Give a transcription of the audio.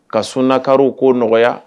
Ka so nakaraww ko nɔgɔya